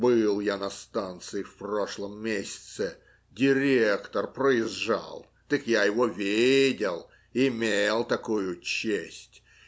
Был я на станции в прошлом месяце; директор проезжал, так я его видел. Имел такую честь.